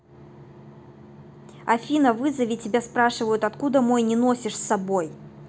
афина вызови тебя спрашивают откуда мой не носишь с собой